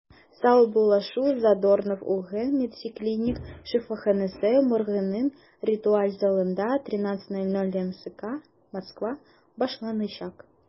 Саубуллашу Задорнов үлгән “МЕДСИ” клиник шифаханәсе моргының ритуаль залында 13:00 (мск) башланачак.